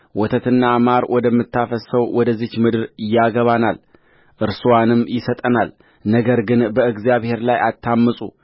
ወተትና ማር ወደምታፈስሰው ወደዚች ምድር ያገባናል እርስዋንም ይሰጠናልነገር ግን በእግዚአብሔር ላይ አታምፁ